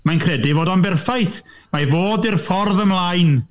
Mae'n credu ei fod o'n berffaith, mai fo 'di'r ffordd ymlaen.